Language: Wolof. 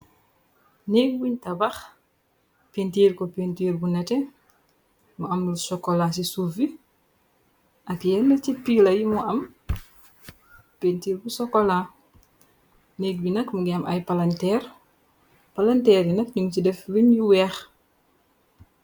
Négg buñ tabax pintiir ko pintiir bu nete mu am lu sokola ci suuf yi ak yenn ci piila yimu am pintiir bu sokolaa négg bi nak mu ngi am ay palanteer palanteer bi nak nyung ci def wuñ yu weex.